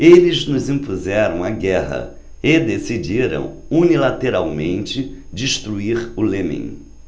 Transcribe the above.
eles nos impuseram a guerra e decidiram unilateralmente destruir o iêmen